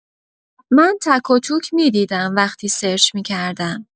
من تک و توک می‌دیدم وقتی سرچ می‌کردم.